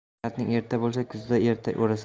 harakating erta bo'lsa kuzda erta o'rasan